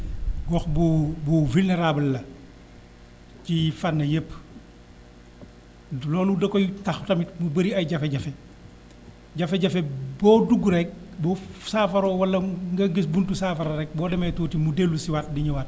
gox bu bu vulnérable la ci fànn yëpp loolu da koy tax tamit mu bëri ay jafe-jafe jafe-jafe boo dugg rek bu saafarawoo wala nga gis buntu saafara rek boo demee tuuti mu dellu si waat di ñëwaat